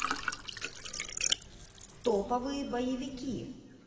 топовые боевики